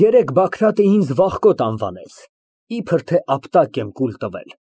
Երևի Բագրատն ինձ վախկոտ անվանեց։ Իբրև թե ապտակ եմ կուլ տվել։